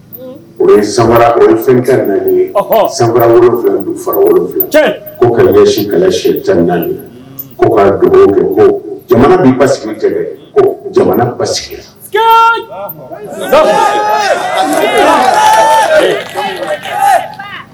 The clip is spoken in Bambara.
O ye sama fɛn ye san fara o si caman ko jamana ba jamana ba